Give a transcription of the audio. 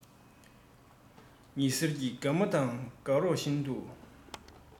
ཉི ཟེར གྱི དགའ མ དང དགར ངོམ བཞིན དུ